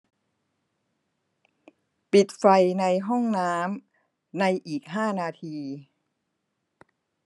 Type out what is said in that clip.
ปิดไฟในห้องน้ำในอีกห้านาที